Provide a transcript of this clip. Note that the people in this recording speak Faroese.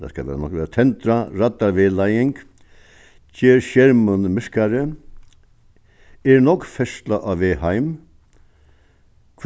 tað skal tað nokk vera tendra raddarvegleiðing ger skermin myrkari er nógv ferðsla á veg heim